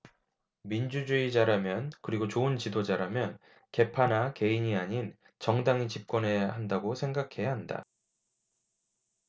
민주주의자라면 그리고 좋은 지도자라면 계파나 개인이 아닌 정당이 집권해야 한다고 생각해야 한다